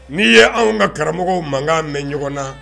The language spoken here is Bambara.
N'i ye anw ka karamɔgɔ mankan mɛn ɲɔgɔn na